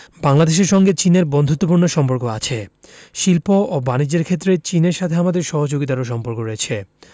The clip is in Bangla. বাংলাদেশের সঙ্গে চীনের বন্ধুত্বপূর্ণ সম্পর্ক আছে শিল্প ও বানিজ্য ক্ষেত্রে চীনের সাথে আমাদের সহযোগিতারও সম্পর্ক রয়েছে